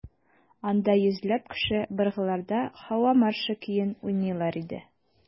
Анда йөзләп кеше быргыларда «Һава маршы» көен уйныйлар иде.